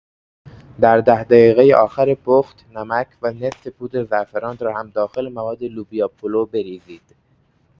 در ۱۰ دقیقه آخر پخت، نمک و نصف پودر زعفران را هم داخل مواد لوبیا پلو بریزید.